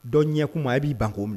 Dɔn ɲɛ kuma a b'i banko minɛ